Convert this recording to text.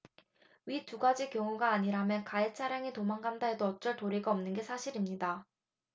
위 두 가지 경우가 아니라면 가해차량이 도망간다 해도 어쩔 도리가 없는 게 사실입니다